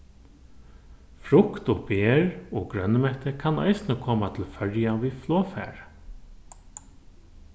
frukt og ber og grønmeti kann eisini koma til føroya við flogfari